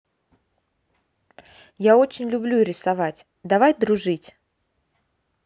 я очень люблю рисовать давай дружить